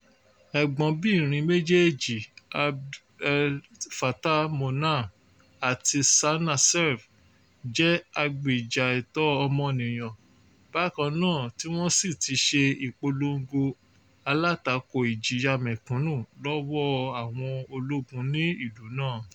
Ẹ̀gbọ́n-bìrin méjèèjì Abd El Fattah, Mona àti Sanaa Seif, jẹ́ agbèjà ẹ̀tọ́ ọmọnìyàn bákan náà tí wọ́n sì ti ṣe ìpolongo alátakò ìjìyà mẹ́kúnnú lọ́wọ́ọ àwọn ológun ní ìlú náà.